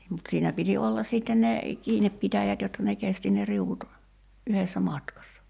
niin mutta siinä piti olla sitten ne kiinnipitäjät jotta ne kesti ne riu'ut yhdessä matkassa